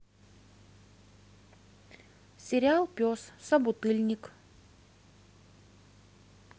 сериал пес собутыльник